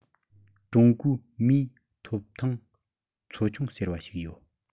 ཀྲུང གོའི མིའི ཐོབ ཐང ཚོ ཆུང ཟེར བ ཞིག ཡོད